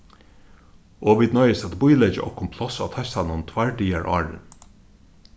og vit noyðast at bíleggja okkum pláss á teistanum tveir dagar áðrenn